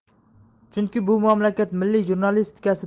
chunki bu mamlakat milliy jurnalistikasi